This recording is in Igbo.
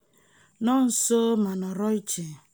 Nọ nso, ma nọrọ iche.